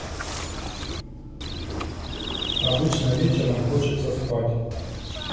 обычно вечером хочется спать